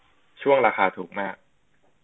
ช่วงราคาถูกมาก